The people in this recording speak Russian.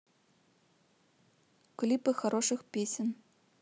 клипы хороших песен